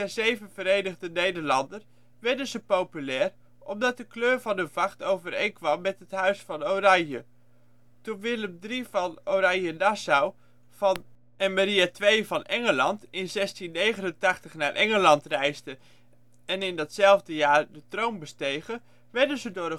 Zeven Verenigde Nederlanden werden ze populair, omdat de kleur van hun vacht overeenkwam met het Huis van Oranje. Toen Willem III van Oranje-Nassau van en Maria II van Engeland in 1689 naar Engeland reisden en in dat zelfde jaar de troon bestegen, werden ze door